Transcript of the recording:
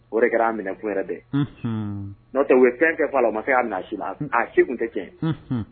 O de kɛra a minɛ wɛrɛ dɛ n'otɔ u ye fɛn kɛ fa la o ma se'a nasi la a se tun tɛ tiɲɛ